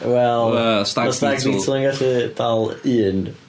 Wel... Stag Beetle... Stag Beetle yn gallu dal un.